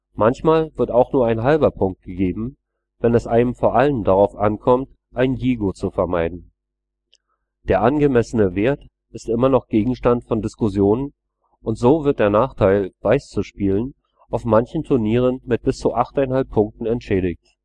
Manchmal wird auch nur ½ Punkt gegeben, wenn es einem vor allem darauf ankommt, ein Jigo zu vermeiden. Der angemessene Wert ist immer noch Gegenstand von Diskussionen, und so wird der Nachteil, Weiß zu spielen, auf manchen Turnieren mit bis zu 8½ Punkten entschädigt